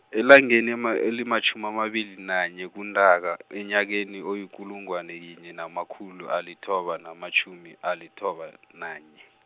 elangeni ema- elimatjhi amabili nanye kuNtaka enyakeni oyikulungwane yinye namakhulu alithoba namatjhumi alithoba, nanye.